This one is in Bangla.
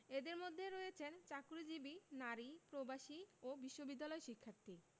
এঁদের মধ্যে রয়েছেন চাকরিজীবী নারী প্রবাসী ও বিশ্ববিদ্যালয় শিক্ষার্থী